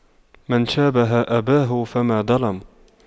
من شابه أباه فما ظلم